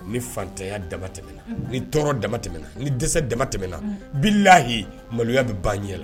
Ni fantanya dama tɛmɛna, ni tɔɔrɔ dama tɛmɛna, ni dɛsɛ dama tɛmɛna, billahi maloya bɛ ban ɲɛ la